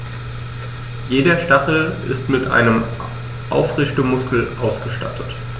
Jeder Stachel ist mit einem Aufrichtemuskel ausgestattet.